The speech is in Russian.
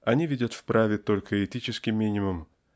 Одни видят в праве только этический минимум